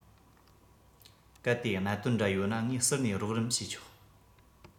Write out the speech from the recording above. གལ ཏེ གནད དོན འདྲ ཡོད ན ངས ཟུར ནས རོགས རམ བྱས ཆོག